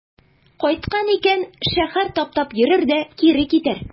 Кайткан икән, шәһәр таптап йөрер дә кире китәр.